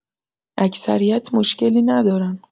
اکثریت مشکلی ندارن.